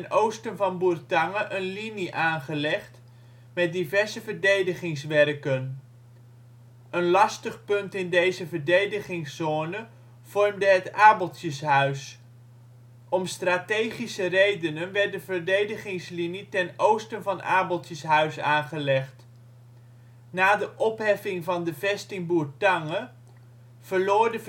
oosten van Bourtange een linie aangelegd met diverse verdedigingswerken. Een lastig punt in deze verdedigingszone vormde het Abeltjeshuis. Om strategische redenen werd de verdedigingslinie ten oosten van Abeltjehuis aangelegd. Na de opheffing van de vesting Bourtange verloor de